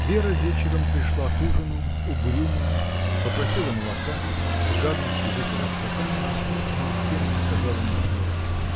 Вера вечером пришла к ужину, угрюмая, попросила молока, с жадностью выпила стакан и ни с кем не сказала ни слова.